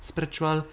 Spiritual?